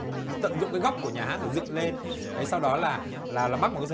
tận dụng cái góc của nhà hát để dựng lên thế sau đó là là là bắc một